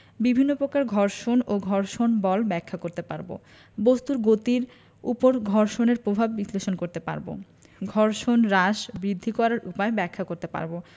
বিভিন্ন পকার ঘর্ষণ এবং ঘর্ষণ বল ব্যাখ্যা করতে পারব বস্তুর গতির উপর ঘর্ষণের পভাব বিশ্লেষণ করতে পারব ঘর্ষণ হ্রাস বিদ্ধি করার উপায় ব্যাখ্যা করতে পারব